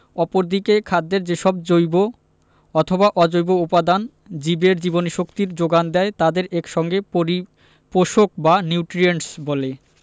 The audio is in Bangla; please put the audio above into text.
অপরদিকে খাদ্যের যেসব জৈব অথবা অজৈব উপাদান জীবের জীবনীশক্তির যোগান দেয় তাদের এক সঙ্গে পরিপোষক বা নিউট্রিয়েন্টস বলে